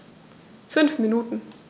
5 Minuten